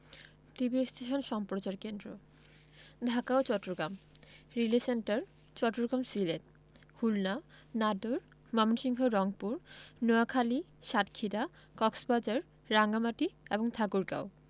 TV station সম্প্রচার কেন্দ্রঃ ঢাকা ও চট্টগ্রাম রিলে সেন্টার চট্টগ্রাম সিলেট খুলনা নাটোর ময়মনসিংহ রংপুর নোয়াখালী সাতক্ষীরা কক্সবাজার রাঙ্গামাটি এবং ঠাকুরগাঁও